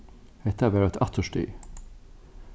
hetta var eitt afturstig